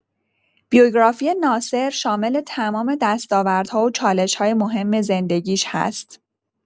بیوگرافی ناصر شامل تمام دستاوردها و چالش‌های مهم زندگیش هست.